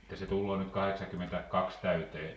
että se tulee nyt kahdeksankymmentäkaksi täyteen